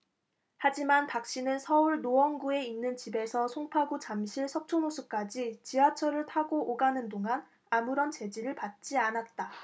하지만 박씨는 서울 노원구에 있는 집에서 송파구 잠실 석촌호수까지 지하철을 타고 오가는 동안 아무런 제지를 받지 않았다